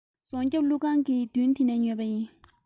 རྫོང རྒྱབ ཀླུ ཁང གི མདུན དེ ནས ཉོས པ ཡིན